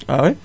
ah oui